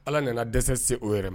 Ala nana dɛsɛ se o yɛrɛ ma